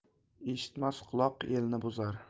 eshitmas quloq elni buzar